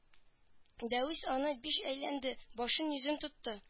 Дәвис аны биш әйләнде башын-йөзен тотты